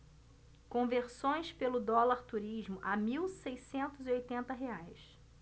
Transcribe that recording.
conversões pelo dólar turismo a mil seiscentos e oitenta reais